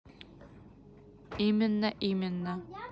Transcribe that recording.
именно именно